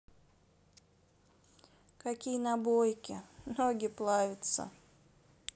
какие набойка ноги плавится